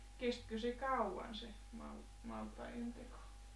kestikö se kauan se - maltaiden teko